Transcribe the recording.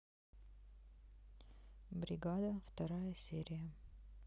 бригада вторая серия